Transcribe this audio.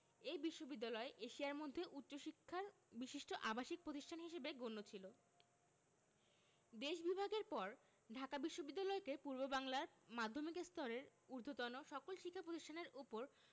এ বিশ্ববিদ্যালয় এশিয়ার মধ্যে উচ্চশিক্ষার বিশিষ্ট আবাসিক প্রতিষ্ঠান হিসেবে গণ্য ছিল দেশ বিভাগের পর ঢাকা বিশ্ববিদ্যালয়কে পূর্ববাংলার মাধ্যমিক স্তরের ঊধ্বর্তন সকল শিক্ষা প্রতিষ্ঠানের ওপর